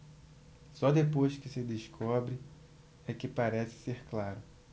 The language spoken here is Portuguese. só depois que se descobre é que parece ser claro